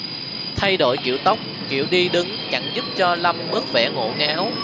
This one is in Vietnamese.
thay đổi kiểu tóc kiểu đi đứng chẳng giúp cho lâm bớt vẻ ngổ ngáo